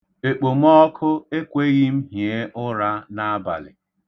Ekpomọọkụ ekweghị m hie ụra n'abalị.